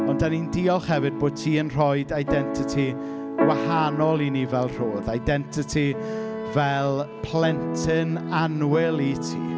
Ond dan ni'n diolch hefyd bo' ti yn rhoid identity gwahanol i ni fel rhodd. Identity fel plentyn annwyl i ti.